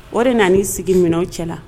O de nana'i sigi minnuw cɛla la